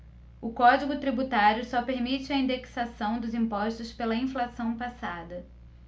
o código tributário só permite a indexação dos impostos pela inflação passada